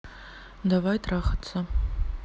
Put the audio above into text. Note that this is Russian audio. давай трахаться